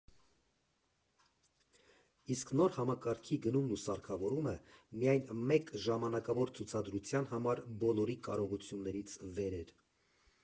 Իսկ նոր համակարգի գնումն ու սարքավորումը միայն մեկ ժամանակավոր ցուցադրության համար բոլորի կարողություններից վեր էր։